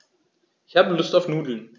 Ich habe Lust auf Nudeln.